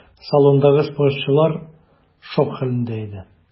Салондагы спортчылар шок хәлендә иде.